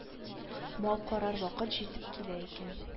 Мал карар вакыт җитеп килә икән